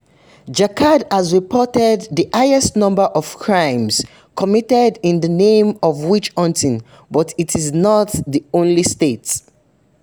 Jharkhand has recorded the highest number of crimes committed in the name of witch-hunting but it is not the only state.